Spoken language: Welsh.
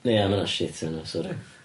Ie, ma' hwnna shit enw, sori.